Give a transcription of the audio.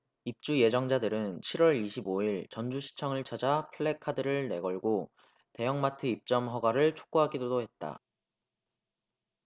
입주 예정자들은 칠 월 이십 오 일 전주시청을 찾아 플래카드를 내걸고 대형마트 입점 허가를 촉구하기도 했다